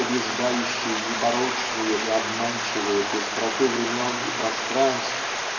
побеждающей непрочную и обманчивую пестроту времен и пространств